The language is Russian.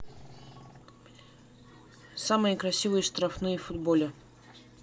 самые красивые штрафные в футболе